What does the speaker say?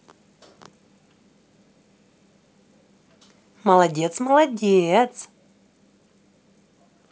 молодец молодец